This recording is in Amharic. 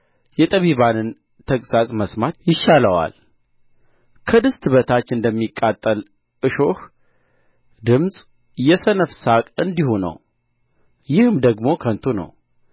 የጠቢባንን ተግሣጽ መስማት ይሻለዋል ከድስት በታች እንደሚቃጠል እሾህ ድምፅ የሰነፍ ሳቅ እንዲሁ ነው ይህም ደግሞ ከንቱ ነው